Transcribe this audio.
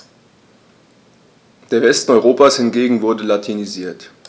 Der Westen Europas hingegen wurde latinisiert.